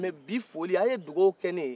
mɛ bi foli a ye dugawu kɛ ne ye